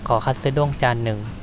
ขอคัตสึด้งจานหนึ่ง